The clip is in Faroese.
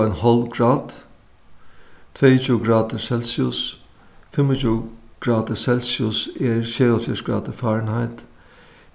og ein hálv grad tveyogtjúgu gradir celsius fimmogtjúgu gradir celsius er sjeyoghálvfjerðs gradir fahrenheit